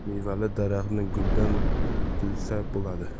mevali daraxtni gulidan bilsa bo'ladi